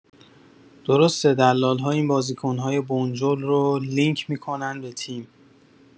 درسته دلال‌ها این بازیکن‌های بنجل رو لینک می‌کنن به تیم